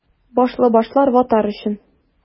Башлы башлар — ватар өчен!